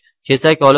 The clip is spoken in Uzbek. kesak olib